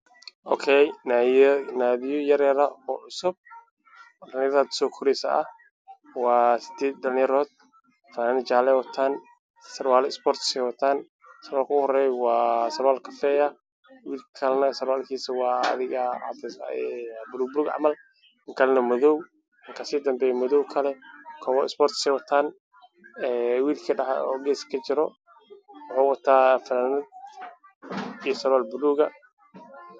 Waxaa ii muuqda wiilal oo fadhiya qaarna taagan oo dheelaya banaani